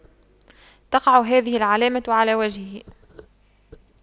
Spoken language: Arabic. تقع هذه العلامة على وجهه